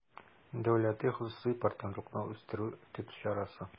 «дәүләти-хосусый партнерлыкны үстерү» төп чарасы